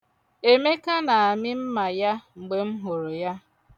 Emeka na-amị mma ya mgbe m hụrụ ya.